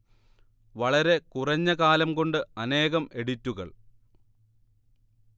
വളരെ കുറഞ്ഞ കാലം കൊണ്ട് അനേകം എഡിറ്റുകൾ